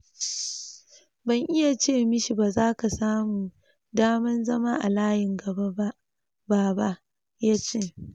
“Ban iya ce mashi ‘ba zaka samu daman zama a layin gaba ba baba’,” ya ce.